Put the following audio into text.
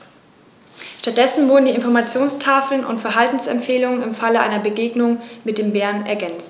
Stattdessen wurden die Informationstafeln um Verhaltensempfehlungen im Falle einer Begegnung mit dem Bären ergänzt.